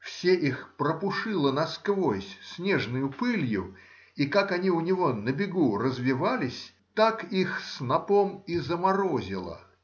все их пропушило насквозь снежною пылью, и как они у него на бегу развевались, так их снопом и заморозило.